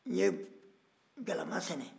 n ye galama sɛnɛ